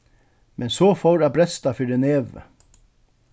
men so fór at bresta fyri nevi